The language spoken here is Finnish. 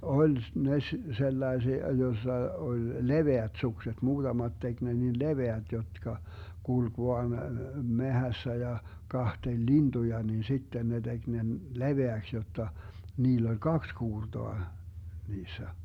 oli ne - sellaisia jossa oli leveät sukset muutamat teki ne niin leveät jotka kulki vain metsässä ja katseli lintuja niin sitten ne teki ne leveäksi jotta niillä oli kaksi kuurtoa niissä